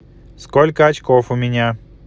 сколько очков у меня